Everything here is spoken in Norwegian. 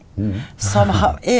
ja.